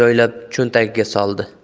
joylab cho'ntagiga soldi